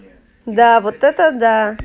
да вот это да